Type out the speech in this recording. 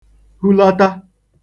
hulata